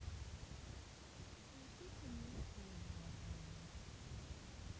несите мне соль на рану